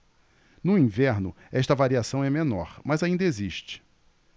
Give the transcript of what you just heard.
no inverno esta variação é menor mas ainda existe